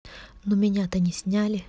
но меня то не сняли